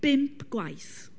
Bump gwaith.